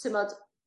t'mod